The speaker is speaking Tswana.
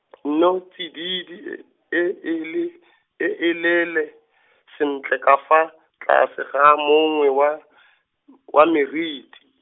nnotsididi e, e e le , e elele , sentle ka fa, tlase ga mongwe wa , wa meriti.